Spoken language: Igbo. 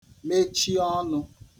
mechi ọnụ